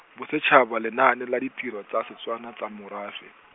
Bosetšhaba Lenaane la Ditiro tsa Setswana tsa Morafe.